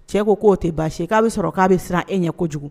Cɛ ko k'o tɛ baasi k'a bɛ sɔrɔ k'a bɛ siran e ɲɛ kojugu